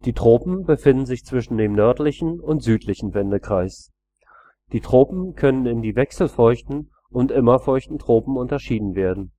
Tropen befinden sich zwischen dem nördlichen und südlichen Wendekreis. Die Tropen können in die wechselfeuchten und immerfeuchten Tropen unterschieden werden